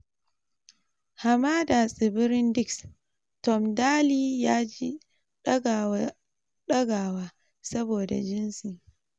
Hamada Tsibirin Discs: Tom Daley ya ji 'dagawa' saboda jinsi